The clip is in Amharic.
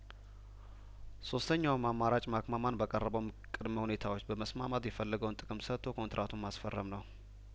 ሶስተኛውም አማራጭ ማክማነመን ባቀረበውም ቅድመ ሁኔታዎች በመስማማት የፈለገውን ጥቅም ሰጥቶ ኮንትራቱን ማስፈረም ነው